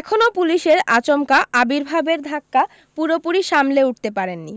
এখনও পুলিশের আচমকা আবির্ভাবের ধাক্কা পুরোপুরি সামলে উঠতে পারেননি